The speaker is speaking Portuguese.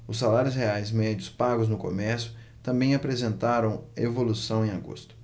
os salários reais médios pagos no comércio também apresentaram evolução em agosto